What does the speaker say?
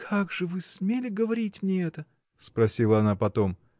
— Как же вы смели говорить мне это? — спросила она потом.